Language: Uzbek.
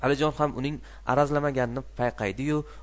alijon ham uning arazlamaganini payqaydi yu